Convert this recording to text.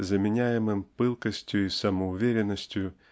заменяемому пылкостью и самоуверенностью